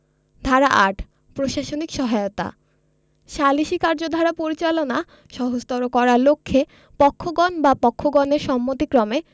ধারা ৮ প্রশাসনিক সহায়তাঃ সালিসী কার্যধারা পরিচালনা সহজতর করার লক্ষ্যে পক্ষগণ বা পক্ষগণের সম্মতিক্রমে